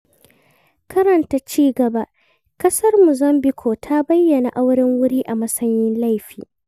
Karanta cigaba: ƙasar Muzambiƙue ta bayyana auren wuri a matsayin laifi.